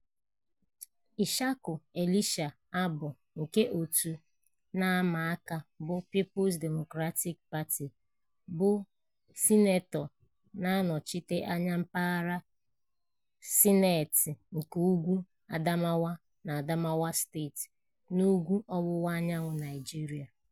Ishaku Elisha Abbo nke òtù na-ama aka bụ People's Democratic Party (PDP) bụ sinetọ na-anọchite anya Mpaghara Sineeti nke Ugwu Adamawa n'Adamawa Steeti, n'ugwu ọwụwaanyanwụ Naịjirịa.